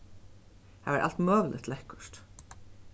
har var alt møguligt lekkurt